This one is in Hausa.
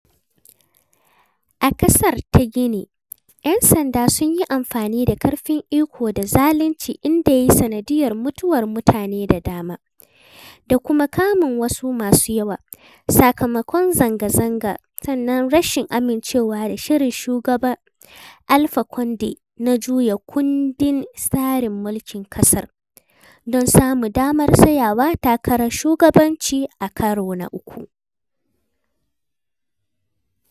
A ƙasar ta Gini, 'yan sanda sun yi amfani da ƙarfin iko da zalinci, inda ya yi sanadiyyar mutuwar mutane da dama da kuma kamun wasu masu yawa, sakamakon zanga-zanga una rashin amincewa da shirin Shugaba Alpha Conde na juya kundin tsariin mulkin ƙasar don samun damar tsayawa takarar shugabanci a karo na uku.